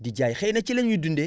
di jaay xëy na ci la ñuy dundee